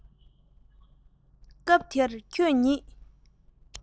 སྐབས དེར ཁྱོད ཉིད